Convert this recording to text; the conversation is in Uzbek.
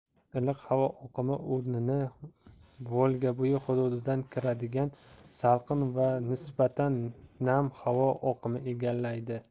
iliq havo oqimi o'rnini volgabo'yi hududidan kiradigan salqin va nisbatan nam havo oqimi egallaydi